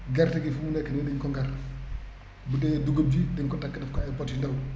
gerte gi fu mu nekk nii dañu ko ngar bu dee dugub ji dañ ko takk def ko ay pot yu ndaw